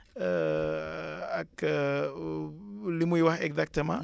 ak li muy wax exactement